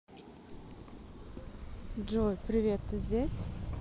джой привет ты здесь